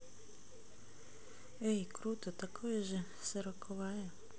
это круто такой же сороковая